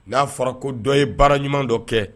N'a fɔra ko dɔ ye baara ɲuman dɔ kɛ